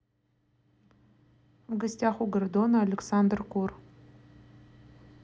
в гостях у гордона александр кур